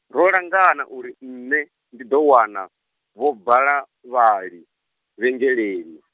ro langana uri nṋe, ndi ḓo wana, Vho Balavhali, vhengeleni .